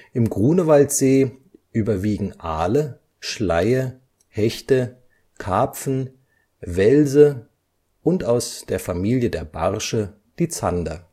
Im Grunewaldsee überwiegen Aale, Schleie, Hechte, Karpfen, Welse und aus der Familie der Barsche die Zander